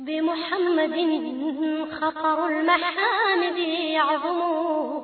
Denmugɛninunɛgɛnin yo